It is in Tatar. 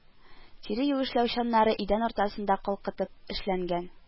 Тире юешләү чаннары идән уртасында калкытып эшләнгән